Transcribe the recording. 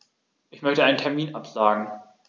Ich möchte einen Termin absagen.